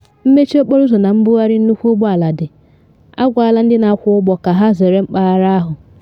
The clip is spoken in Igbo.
Mmechi okporo ụzọ na mbugharị nnukwu ụgbọ ala dị, agwala ndị na akwọ ụgbọ ka ha zere mpaghara ahụ.